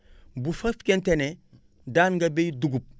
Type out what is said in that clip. bu fekkente ne daan nga bay dugub